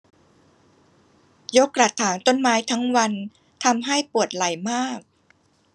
ยกกระถางต้นไม้ทั้งวันทำให้ปวดไหล่มาก